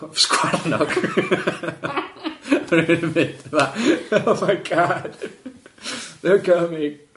Ma' nw'n mynd fatha oh, they're coming.